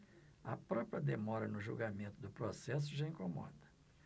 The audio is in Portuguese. a própria demora no julgamento do processo já incomoda